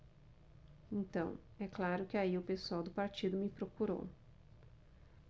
então é claro que aí o pessoal do partido me procurou